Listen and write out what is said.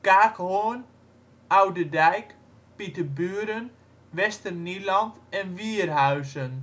Kaakhorn, Oudedijk, Pieterburen, Westernieland en Wierhuizen